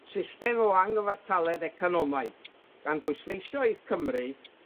system o angyfartaledd economaidd, gan bwysleisio i'r Cymry